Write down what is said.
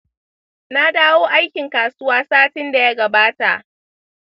na dawo aikin kasuwa satin daya gabata.